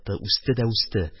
Үсте дә үсте